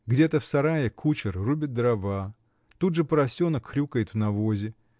Где-то в сарае кучер рубит дрова, тут же поросенок хрюкает в навозе